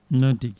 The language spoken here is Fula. noon tigui